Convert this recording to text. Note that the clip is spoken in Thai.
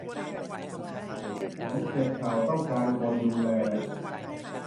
ฉันเจ็บเข่าต้องการคนดูแล